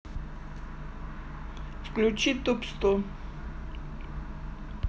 включи топ сто